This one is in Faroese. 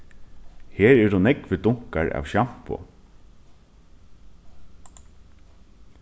her eru nógvir dunkar av sjampo